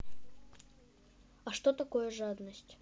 а что такое жадность